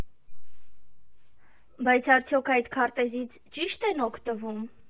Բայց արդյոք այդ քարտեզից ճի՞շտ են օգտվում։